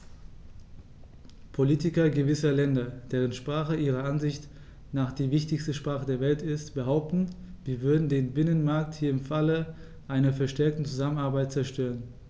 Politiker gewisser Länder, deren Sprache ihrer Ansicht nach die wichtigste Sprache der Welt ist, behaupten, wir würden den Binnenmarkt hier im Falle einer verstärkten Zusammenarbeit zerstören.